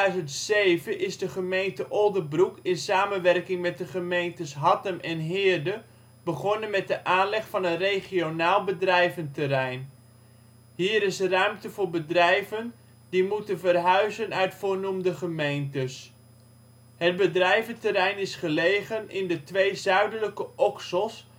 In 2007 is de gemeente Oldebroek in samenwerking met de gemeentes Hattem en Heerde begonnen met de aanleg van een regionaal bedrijventerrein. Hier is ruimte (65 hectare) voor bedrijven die (moeten) verhuizen uit voorgenoemde gemeentes. Het bedrijventerrein is gelegen in de twee zuidelijke oksels